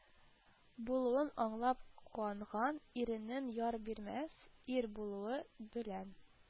Булуын аңлап куанган, иренең яр бирмәс ир булуы белән